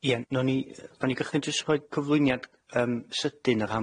Ie 'nawn ni yy gychwyn jyst drwy roid cyflwyniad yym sydyn